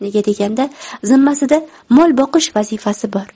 nega deganda zimmasida mol boqish vazifasi bor